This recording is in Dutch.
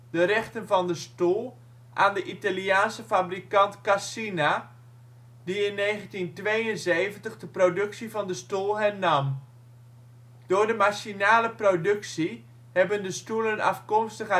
de rechten van de stoel aan de Italiaanse firma Cassina, die in 1972 de productie van de stoel hernam. Door de machinale productie hebben de stoelen afkomstig